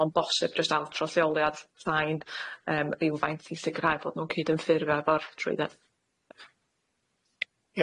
mo'n bosib jyst am trothioliad thain yym rywfaint i sicrhau bod nw'n cydynffurfio efo'r trwydded.